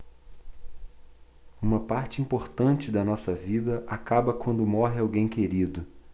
uma parte importante da nossa vida acaba quando morre alguém querido